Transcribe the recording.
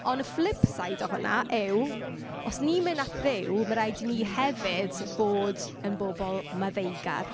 Ond y flipside o hynna yw, os ni'n mynd at Dduw, mae'n rhaid i ni hefyd fod yn bobl maddeugar.